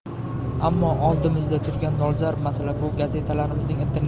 ammo oldimizda turgan dolzarb masala bu gazetalarimizning